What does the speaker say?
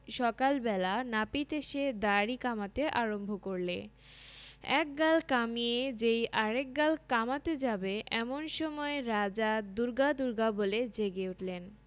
সকাল বেলা নাপিত এসে দাড়ি কামাতে আরম্ভ করলে এক গাল কামিয়ে যেই আর এক গাল কামাতে যাবে এমন সময় রাজা দুর্গা দুর্গা বলে জেগে উঠলেন